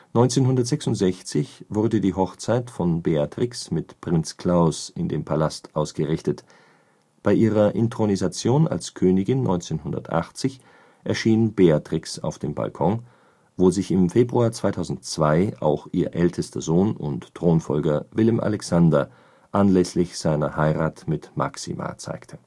1966 wurde die Hochzeit von Beatrix mit Prinz Claus in dem Palast ausgerichtet; bei ihrer Inthronisation als Königin 1980 erschien Beatrix auf dem Balkon, wo sich im Februar 2002 auch ihr ältester Sohn und Thronfolger Willem-Alexander anlässlich seiner Heirat mit Máxima zeigte